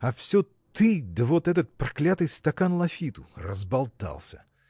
а все ты да вот этот проклятый стакан лафиту! разболтался!